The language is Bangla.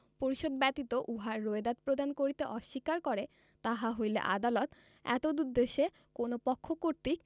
পরিশোধ ব্যতীত উহার রোয়েদাদ প্রদান করিতে অস্বীকার করে তাহা হইলে আদালত এতদুদ্দেশ্যে কোন পক্ষ কর্তৃক